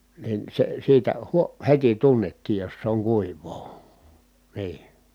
niin se siitä - heti tunnettiin jos se on kuivaa niin